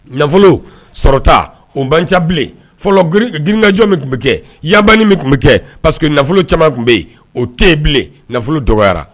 Nafolo sɔrɔta o ban cabilen fɔlɔ grinkaj min tun bɛ kɛ yaban min tun bɛ kɛ paseke que nafolo caman tun bɛ yen o tɛ bilen nafolo dɔgɔyara